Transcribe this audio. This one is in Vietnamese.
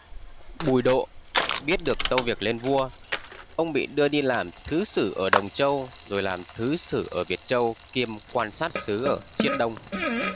bùi độ biết được tâu việc lên vua ông bị đưa đi làm thứ sử ở đồng châu rồi làm thứ sử ở việt châu kiêm quan sát sứ ở chiết đông